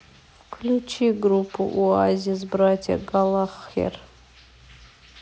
включи группу оазис братья галлахер